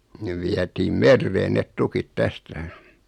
ne vietiin mereen ne tukit tästä